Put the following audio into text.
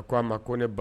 A ko a ma ko ne